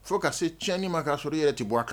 Fo ka se tiɲɛnani ma ka sɔrɔ yɛrɛ tɛ bɔ a kan